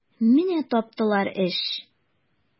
Менә таптылар эш!